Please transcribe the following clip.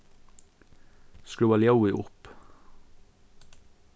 skrúva ljóðið upp